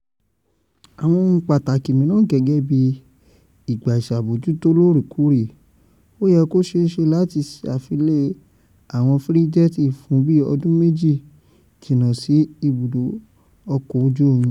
Àwọn ohun pàtàkì mìràn gẹ́gẹ́bí ìgbà ìṣàbójútó lóòrèkóòrè - p yẹ kó ṣeéṣe láti ṣàfillẹ̀ awọn fírígéètì fún bí ọdún méjì jìnnà sí ìbúdó \kọ ojú omi.